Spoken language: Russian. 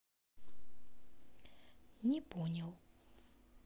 не понял